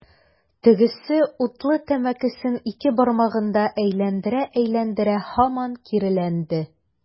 Тегесе, утлы тәмәкесен ике бармагында әйләндерә-әйләндерә, һаман киреләнде.